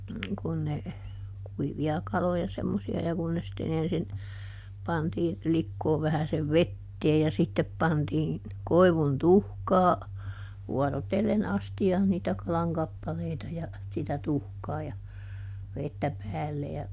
kun ne kuivia kaloja semmoisia ja kun ne sitten ensin pantiin likoon vähäisen veteen ja sitten pantiin koivun tuhkaa vuorotellen astiaan niitä kalan kappaleita ja sitä tuhkaa ja vettä päälle ja